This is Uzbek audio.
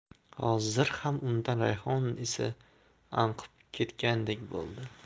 hozir ham undan rayhon isi anqib ketgandek bo'ldi